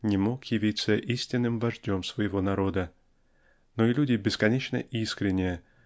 не мог явиться истинным вождем своего народа. Но и люди бесконечно искренние